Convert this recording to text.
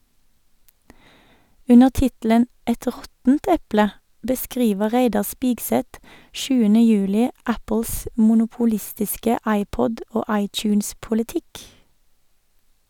Under tittelen "Et råttent eple" beskriver Reidar Spigseth 7. juli Apples monopolistiske iPod- og iTunes-politikk.